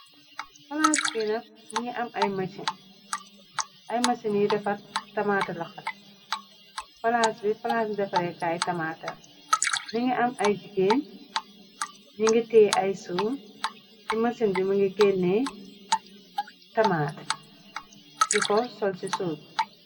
Palas bi nak mingi am ay mësin yi defar tamaata loxate. Palaas bi palaas i defaree kaay tamata la, mi ngi am ay jigeen ñi ngi tee ay suu, ci mësin bi mi ngi gennee tamaat di ko sol ci suub.